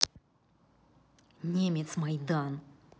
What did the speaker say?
немец майдан